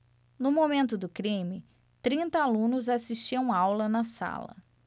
no momento do crime trinta alunos assistiam aula na sala